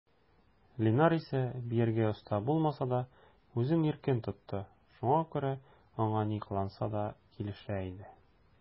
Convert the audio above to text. Линар исә, биергә оста булмаса да, үзен иркен тотты, шуңа күрә аңа ни кыланса да килешә иде.